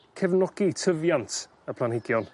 cefnogi tyfiant y planhigion